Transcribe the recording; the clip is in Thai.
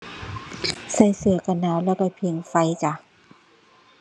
ใส่เสื้อกันหนาวแล้วก็ผิงไฟจ้ะ